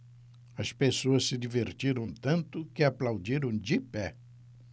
as pessoas se divertiram tanto que aplaudiram de pé